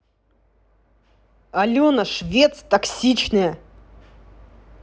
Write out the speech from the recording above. алена швец токсичная